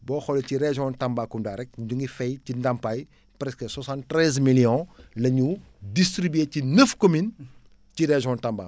boo xoolee ci région Tambacounda rek ñu ngi fay ci ndàmpaay presque 73 mimmions la ñu distribuer ci 9 communes ci région Tamba